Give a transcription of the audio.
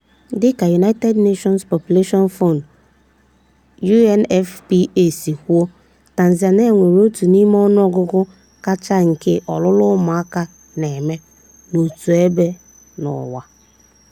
Dị ka United Nations Population Fund (UNFPA) si kwuo, Tanzania nwere otu n'ime ọnụọgụgụ kachasị nke ọlụlụ ụmụaka na-eme n'otu ebe n'ụwa.